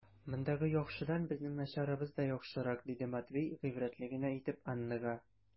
Мондагы яхшыдан безнең начарыбыз да яхшырак, - диде Матвей гыйбрәтле генә итеп Аннага.